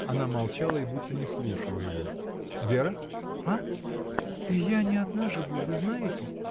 Она молчала и будто не слушала его. — Вера? Я не одна живу, вы знаете!